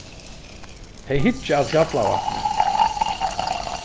tey hyggja at fjallavatni